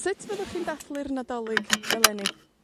Sut fyddwch chi'n dathlu'r Nadolig eleni?